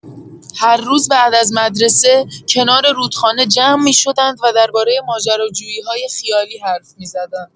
هر روز بعد از مدرسه، کنار رودخانه جمع می‌شدند و درباره ماجراجویی‌های خیالی حرف می‌زدند.